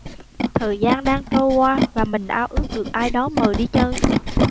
thời gian đang trôi qua và mình ao ước được ai đó mời đi chơi